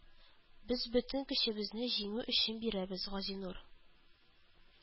Без бөтен көчебезне җиңү өчен бирәбез, Газинур